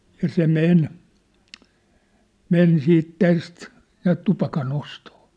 ja se meni meni sitten tästä näet tupakan ostoon